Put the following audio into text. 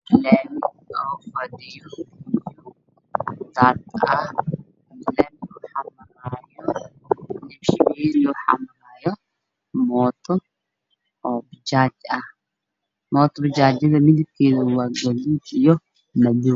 Halkaan waa waddo waxaa fadhiya biyo roob amaraayo mooto mooto midkeeda gaduud